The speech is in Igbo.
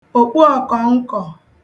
okpuọ̀kọ̀nkọ̀